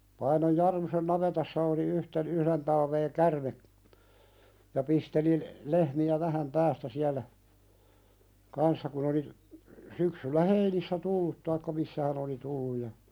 Painon Jarmusen navetassa oli yhtenä yhden talven käärme ja pisteli lehmiä vähän päästä siellä kanssa kun oli syksyllä heinissä tullut tai missä hän oli tullut ja